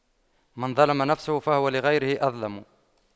من ظَلَمَ نفسه فهو لغيره أظلم